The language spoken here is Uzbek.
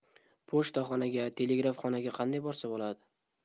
pochtaxonaga telegrafxonaga qanday borsa bo'ladi